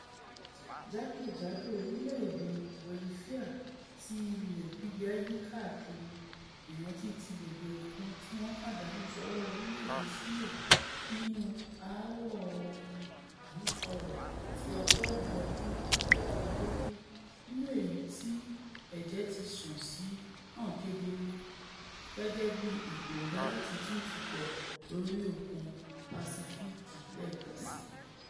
Jákè-jádò orílẹ̀-èdè Bolifia tí ilẹ̀ gbígbẹ yí káàkiri, ìrántí ti bèbè òkun tíwọ́n pàdánù sọ́wọ́ orílẹ̀-èdè Ṣílè nínú aáwọ̀ ohun àmúṣọrọ̀ ti ọgọ́ọ̀rún ọdún ìkọkàndínlógún nínú èyití ẹ̀jẹ̀ ti sàn sì hàn kedere - gẹ́gẹ́bí ìpòǹgbẹ láti tún tukọ̀ lórí òkun Pasífíìkì lẹ́ẹ̀kan síi.